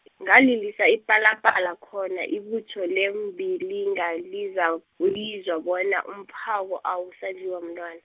ngalilisa ipalapala khona ibutho leembiliga lizakwizwa bona umphako awusadliwa mntwana.